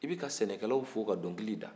i bɛ ka sɛnɛkalaw fo ka dɔnkili da